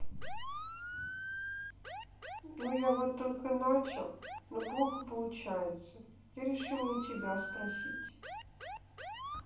ну я вот только что начал но плохо получается я решила у тебя спросить